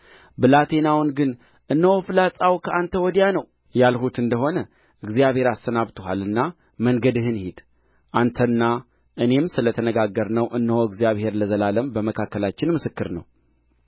ብላቴናውን ግን እነሆ ፍላጻው ከአንተ ወዲያ ነው ያልሁት እንደ ሆነ እግዚአብሔር አሰናብቶሃልና መንገድህን ሂድ አንተና እኔም ስለ ተነጋገርነው እነሆ እግዚአብሔር ለዘላለም በመካከላችን ምስክር ነው